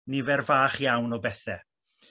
nifer fach iawn o bethe.